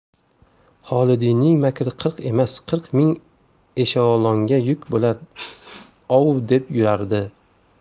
xolidiyning makri qirq emas qirq ming eshelonga yuk bo'lar ov deb yurardi